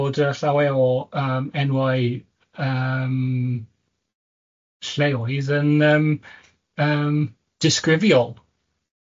bod yy llawer o yym enwau yym lleoedd yn yym yym disgrifiol.